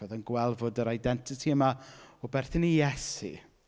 Oedd e'n gweld bod yr identity yma o berthyn i Iesu.